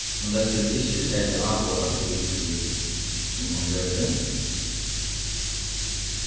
hann tóktist ikki serliga áhugaður í tí sum hon gjørdi